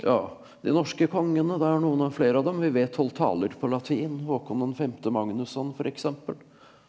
ja de norske kongene det er noen og flere av dem vi vet holdt taler på latin Håkon den femte Magnusson for eksempel.